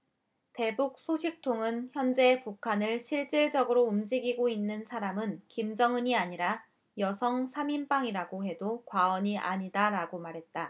대북 소식통은 현재 북한을 실질적으로 움직이고 있는 사람은 김정은이 아니라 여성 삼 인방이라고 해도 과언이 아니다라고 말했다